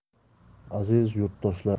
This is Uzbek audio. aziz yurtdoshlar